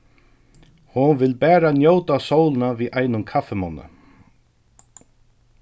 hon vil bara njóta sólina við einum kaffimunni